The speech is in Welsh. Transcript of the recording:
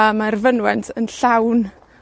A mae'r fynwent yn llawn